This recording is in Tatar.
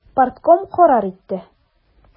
Партком карар итте.